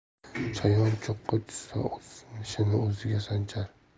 chayon cho'qqa tushsa o'z nishini o'ziga sanchar